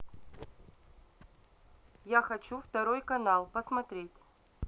я хочу второй канал посмотреть